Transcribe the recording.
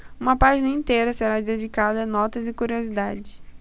uma página inteira será dedicada a notas e curiosidades